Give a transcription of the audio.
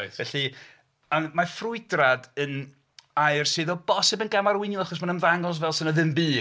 Felly... a mae ffrwydriad yn air sydd o bosib yn gamarweiniol achos mae'n ymddangos fel 'sa 'na ddim byd...